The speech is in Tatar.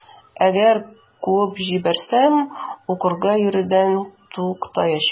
Әгәр куып җибәрсәм, укырга йөрүдән туктаячак.